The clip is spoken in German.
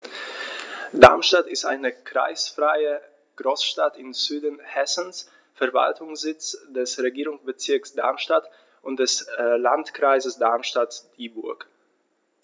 Darmstadt ist eine kreisfreie Großstadt im Süden Hessens, Verwaltungssitz des Regierungsbezirks Darmstadt und des Landkreises Darmstadt-Dieburg.